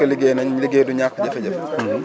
certes que liggéey nañu liggéey du ñàkk jafe-jafe